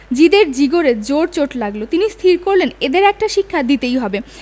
জিদের জিগরে জোর চোট লাগল তিনি স্থির করলেন এদের একটা শিক্ষা দিতে হবে